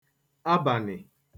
àbànị̀